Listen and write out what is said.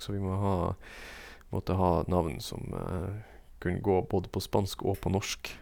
Så vi må ha måtte ha et navn som kunne gå både på spansk og på norsk.